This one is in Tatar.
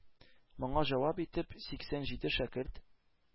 Моңа җавап итеп, сиксән җиде шәкерт